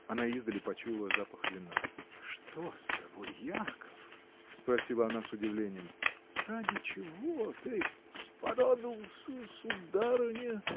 Она издали почуяла запах вина. — Что с тобой, Яков? — спросила она с удивлением. — Ради чего ты. — Сподобился, сударыня!